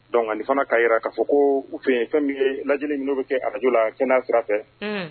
Don nka fana k'a jira k'a fɔ ko u fɛn yen fɛn ye lajɛjli minnu bɛ kɛ arajo la kɛnɛ sira fɛ